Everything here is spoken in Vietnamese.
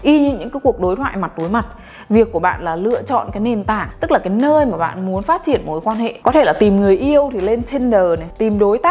y như những cái cuộc đối thoại mặt đối mặt việc của bạn là lựa chọn cái nền tảng tức là cái nơi mà bạn muốn phát triển mối quan hệ có thể là tìm người yêu thì lên tinder này tìm đối tác